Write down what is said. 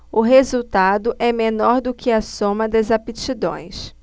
o resultado é menor do que a soma das aptidões